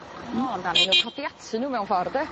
yn ôl amdanyn n'w codi ati n'w mewn ffor 'de